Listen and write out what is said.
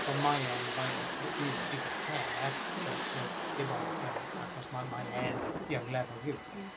Mae e'n... mae... b- bydd y her dim ond, y'know, achos mae e'n, y'know, lefel uwch.